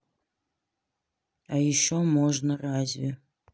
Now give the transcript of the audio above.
а еще можно разве